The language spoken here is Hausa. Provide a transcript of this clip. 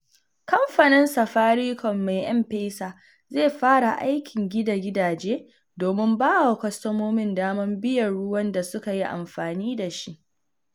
Kamfanin Safaricom mai M-Pesa zai fara aikin gina gidaje domin ba wa kwastomin damar biyan ruwan da suka yi amfani da shi.